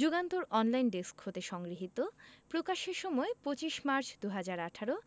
Jugantor online desk হতে সংগৃহীত প্রকাশের সময় ২৫ মার্চ ২০১৮